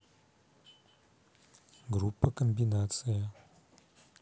группа комбинация